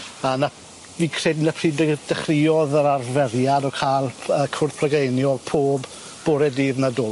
A 'na fi'n credu 'na pryd de- dechreuodd yr arferiad o ca'l yy cwrdd plygeiniol pob bore dydd Nadolig